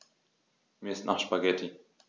Mir ist nach Spaghetti.